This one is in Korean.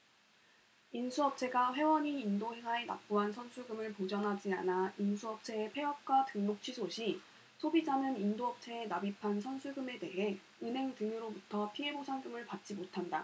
인수업체가 회원이 인도회사에 납부한 선수금을 보전하지 않아 인수업체의 폐업과 등록취소 시 소비자는 인도업체에 납입한 선수금에 대해 은행 등으로부터 피해보상금을 받지 못한다